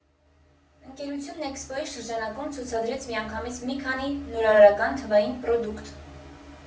Ընկերությունն էքսպոյի շրջանակում ցուցադրեց միանգամից մի քանի նորարարական թվային պրոդուկտ։